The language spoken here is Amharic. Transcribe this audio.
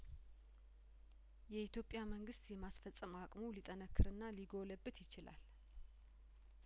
የኢትዮጵያ መንግስት የማስፈጸም አቅሙ ሊጠነክርና ሊጐለብት ይችላል